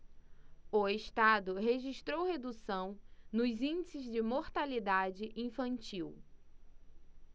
o estado registrou redução nos índices de mortalidade infantil